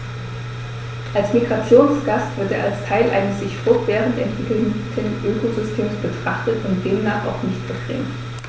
Als Migrationsgast wird er als Teil eines sich fortwährend entwickelnden Ökosystems betrachtet und demnach auch nicht vergrämt.